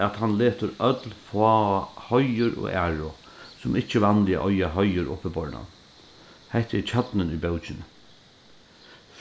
at hann letur øll heiður og æru sum ikki vanliga eiga heiður uppibornan hetta er kjarnin í bókini